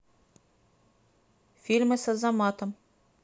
фильмы с азаматом